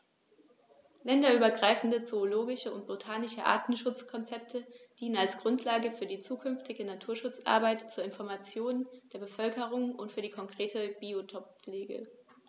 Länderübergreifende zoologische und botanische Artenschutzkonzepte dienen als Grundlage für die zukünftige Naturschutzarbeit, zur Information der Bevölkerung und für die konkrete Biotoppflege.